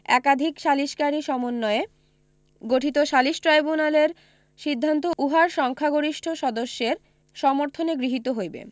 একাধিক সালিসকারী সমন্বয়ে গঠিত সালিসী ট্রাইব্যুনালের সিদ্ধান্ত উহার সংখ্যাগরিষ্ঠ সদস্যের সমর্থনে গৃহীত হইবে